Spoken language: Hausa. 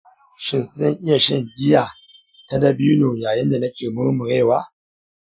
shin zan iya shan giya ta dabino yayin da nake murmurewa?